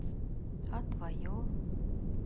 а твое